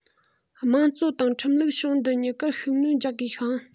དམངས གཙོ དང ཁྲིམས ལུགས ཕྱོགས འདི གཉིས ཀར ཤུགས སྣོན རྒྱག དགོས ཤིང